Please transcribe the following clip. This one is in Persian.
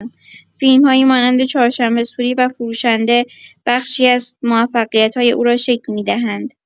فیلم‌هایی مانند چهارشنبه‌سوری و فروشنده بخشی از موفقیت‌های او را شکل می‌دهند.